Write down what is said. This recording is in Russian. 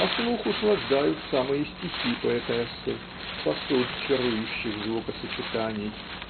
А слух услаждают самые стихи поэтессы, сосуд чарующих звукосочетаний.